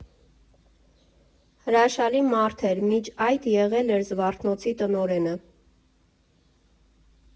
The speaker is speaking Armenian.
Հրաշալի մարդ էր, մինչ այդ եղել էր «Զվարթնոցի» տնօրենը։